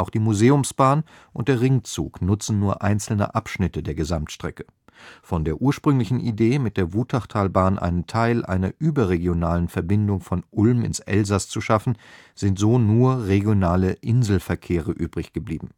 die Museumsbahn und der Ringzug nutzen nur einzelne Abschnitte der Gesamtstrecke. Von der ursprünglichen Idee, mit der Wutachtalbahn einen Teil einer überregionalen Verbindung von Ulm ins Elsass zu schaffen, sind so nur regionale Inselverkehre übrig geblieben